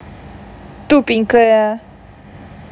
тупенькая